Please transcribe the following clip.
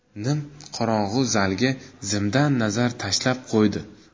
nim qorong'i zalga zimdan nazar tashlab qo'ydi